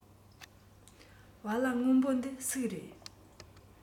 བལ ལྭ སྔོན པོ འདི སུའི རེད